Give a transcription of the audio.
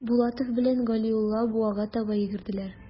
Булатов белән Галиулла буага таба йөгерделәр.